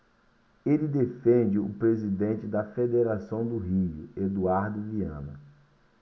ele defende o presidente da federação do rio eduardo viana